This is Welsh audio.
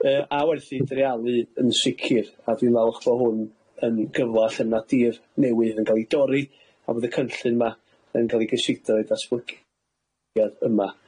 yy a werth i dreialu yn sicir, a dwi'n me'wl bo' hwn yn gyfla lle ma' 'na dir newydd yn ga'l i dorri, a bod y cynllun ma' yn ga'l i gysidro i'r datblyg- iad yma.